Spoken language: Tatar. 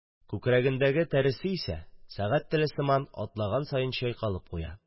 Күкрәгендәге тәресе исә, сәгать теле сыман, атлаган саен чайкалып куя.